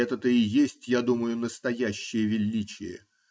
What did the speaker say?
Это-то и есть, я думаю, настоящее величие.